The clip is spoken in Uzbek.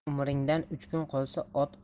umringdan uch kun qolsa ot